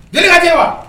Jerika tɛ wa